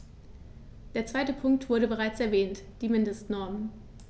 Der zweite Punkt wurde bereits erwähnt: die Mindestnormen.